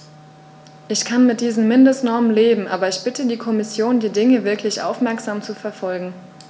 Ich kann mit diesen Mindestnormen leben, aber ich bitte die Kommission, die Dinge wirklich aufmerksam zu verfolgen.